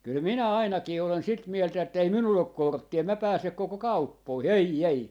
kyllä minä ainakin olen sitä mieltä että ei minulla ole korttia en minä pääse koko kauppoihin ei ei